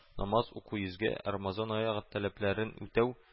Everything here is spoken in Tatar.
Намаз уку йозгә, рамазан ае тәләпләрен үтәү